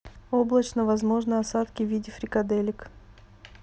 облачно возможны осадки в виде фрикаделек